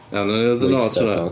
Iawn, wnawn ni ddod yn ôl at hwnna.